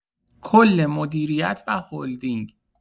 کل مدیریت و هلدینگ